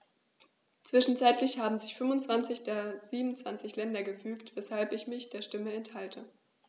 Zwischenzeitlich haben sich 25 der 27 Länder gefügt, weshalb ich mich der Stimme enthalte.